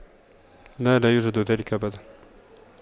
لا لا يوجد ذلك أبدا